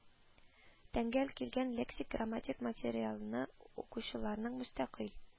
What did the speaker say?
Тəңгəл килгəн лексик-грамматик материалны укучыларның мөстəкыйль